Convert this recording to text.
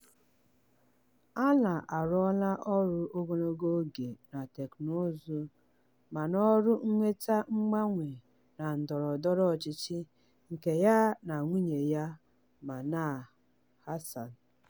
Alaa arụọla ọrụ ogologo oge na teknụzụ ma n'ọrụ mweta mgbanwe na ndọrọ ndọrọ ọchịchị nke ya na nwunye ya, Manal Hassan.